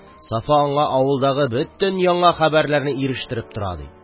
Сафа аңа авылдагы бөтен яңа хәбәрләрне ирештереп тора ди.